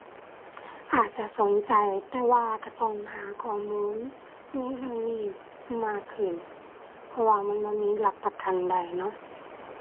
อาจจะสนใจ แต่ว่าก็ต้องหาข้อมูลในเรื่องนี้มากขึ้น เพราะว่ามันบ่มีหลักประกันใดเนาะ